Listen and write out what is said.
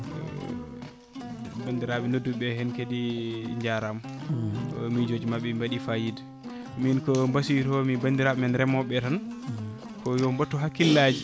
bandiraɓe nodduɓe hen kadi jaarama miijoji mabɓe mbaɗi fayida min ko mabasiytomi bandiraɓe men reemoɓe tan ko yo mbattu hakkillaji